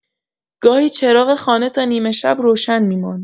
گاهی چراغ خانه تا نیمه‌شب روشن می‌ماند.